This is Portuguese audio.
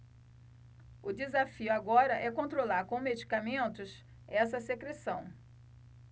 o desafio agora é controlar com medicamentos essa secreção